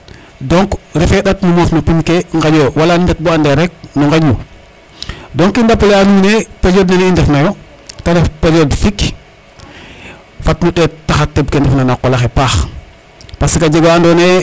donc refe ɗatnu moof no pin ke ŋaƴo yo wala moof no pin ke ŋaƴo yo wala nu ndet bo ande rek nu ŋaƴlu donc :far i rappeler a nuun ne periode ne i ndef nayo te ref periode fig fat nu ɗeet taxar teɓ ko ndefna qolaxe a paax